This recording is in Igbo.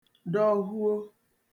dọhuo